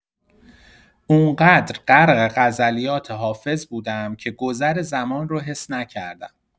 اونقدر غرق غزلیات حافظ بودم که گذر زمان رو حس نکردم.